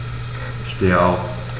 Ich stehe auf.